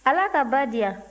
ala ka ba diya